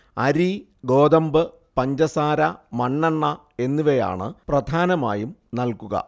അരി ഗോതമ്പ് പഞ്ചസാര മണെണ്ണ എന്നിവയാണ് പ്രധാനമായും നൽകുക